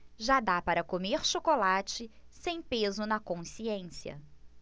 já dá para comer chocolate sem peso na consciência